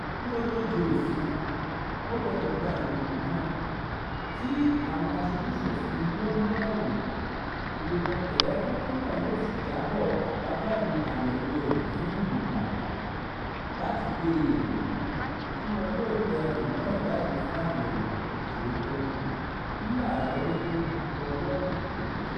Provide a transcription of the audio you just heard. Kí ó tó di òfin, ó gbọdọ̀ gba ìgbìmọ̀ kan tí àwọn aṣojú-ṣòfin yóò yẹ̀ ẹ́ wò. Ìgbìmọ̀ọtẹ̀ẹ́kótó náà yóò sì jábọ̀ àbájáde àyẹ̀wòo rẹ̀ fún Ìgbìmọ̀ àgbà, láti gbé e yẹ̀ wò, tí wọn yóò tẹ òmíràn jáde fún àyẹ̀wò tí ó kẹ́yìn, kí ààrẹ ó tó bu ọwọ́ lù ú.